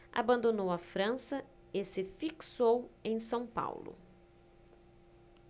abandonou a frança e se fixou em são paulo